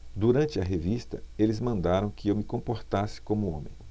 durante a revista eles mandaram que eu me comportasse como homem